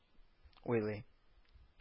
Уйлый